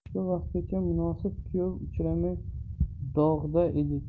shu vaqtgacha munosib kuyov uchramay dog'da edik